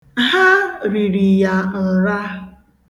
Ha riri ya nra.